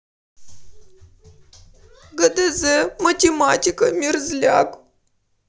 гдз математика мерзляк